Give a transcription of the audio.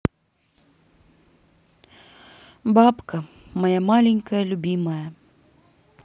бабка моя маленькая любимая